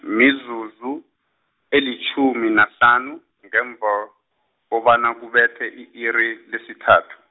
mizuzu, elitjhumi nahlanu, ngemva, kobana kubethe i-iri, lesithathu.